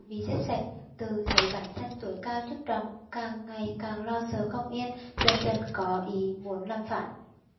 bị giết sạch tự thấy bản thân tuổi cao chức trọng càng ngày càng lo sợ không yên dần dần có ý muốn làm phản